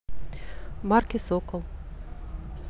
марки сокол